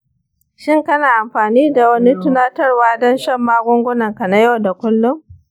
shin kana amfani da wani tunatarwa don shan magungunanka na yau da kullum?